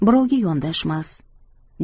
birovga yondashmas